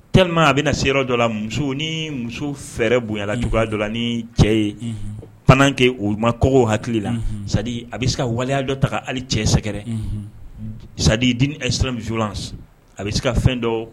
Te a bɛna se yɔrɔ dɔ la muso ni muso fɛrɛɛrɛ bonyayanla dugu dɔ la ni cɛ ye pan kɛ o ma kogow hakili la a bɛ se ka waliya dɔ ta hali cɛ sɛgɛrɛ sa ɛ siraran a bɛ se ka fɛn dɔ